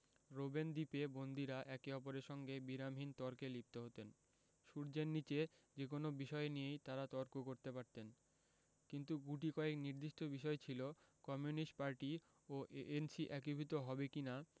Robben দ্বীপে বন্দীরা একে অপরের সঙ্গে বিরামহীন তর্কে লিপ্ত হতেন সূর্যের নিচে যেকোনো বিষয় নিয়েই তাঁরা তর্ক করতে পারতেন কিন্তু গুটিকয়েক নির্দিষ্ট বিষয় ছিল কমিউনিস্ট পার্টি ও এএনসি একীভূত হবে কি না